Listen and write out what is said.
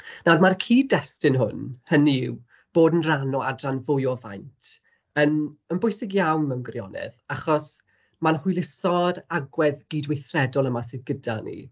Nawr, ma'r cyd-destun hwn, hynny yw bod yn ran o adran fwy o faint, yn yn bwysig iawn mewn gwirionedd, achos ma'n hwyluso'r agwedd gydweithredol yma sydd gyda ni.